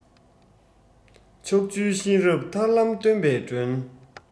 ཕྱོགས བཅུའི གཤེན རབ ཐར ལམ སྟོན པའི སྒྲོན